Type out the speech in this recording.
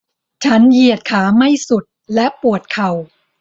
ฉันเหยียดขาไม่สุดและปวดเข่า